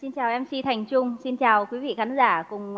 xin chào em xi thành trung xin chào quý vị khán giả cùng